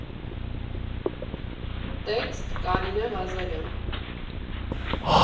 Տեքստ՝ Կարինե Ղազարյան։